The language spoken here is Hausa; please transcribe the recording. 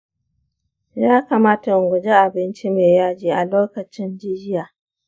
ya kamata in guji abinci mai yaji a lokacin jiyya?